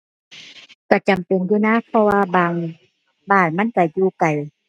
ก็จำเป็นอยู่นะ เพราะว่าบางบ้านมันก็อยู่ไกล